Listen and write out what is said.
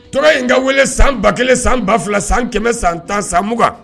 Tɔɔrɔ in ka wele san ba kelen san ba fila san kɛmɛ san tan san mugan